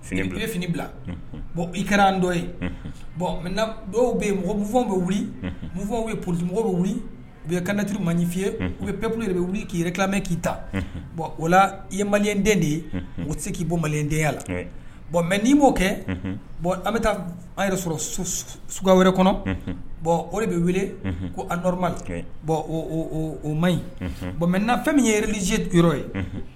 Fini fini bila bɔn i kana dɔ ye bɔn mɛ dɔw bɛ mɔgɔboffɔw bɛ wuli mufɔw bɛ porotemɔgɔw bɛ wuli u ye kanjuru man ɲi fye u bɛ ppli de bɛ wuli k'i ye timɛ k'i ta bɔn o la i manɲɛden de ye u tɛ se k'i bɔ malidenya la bɔn mɛ n'i m'o kɛ bɔn an bɛ taa an yɛrɛ sɔrɔ ska wɛrɛ kɔnɔ bɔn o de bɛ wele ko anɔrɔma bɔn o man ɲi bɔn mɛ na fɛn min yelize duuru ye